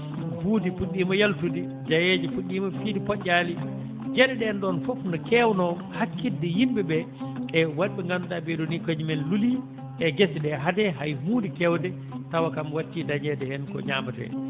buudi puɗɗiima yaltude jayeeje puɗɗiima fiide poƴƴaali geɗe ɗeen ɗoon fof no keewnoo hakkitde yimɓe ɓee e wonɓe ɓe ngannduɗaa ɓee ɗoo ni ko kañumen lulii e gese ɗee hade hay huunde kewde tawa kam wattii dañeede heen ko ñaamatee